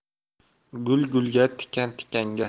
gul gulga tikan tikanga